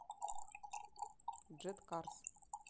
джет карс